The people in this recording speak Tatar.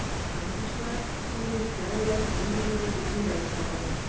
Штангачылар Универсиадада ким дигәндә дүрт медаль отарга мөмкин.